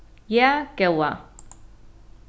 ja góða